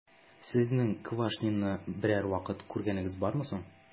Сезнең Квашнинны берәр вакыт күргәнегез бармы соң?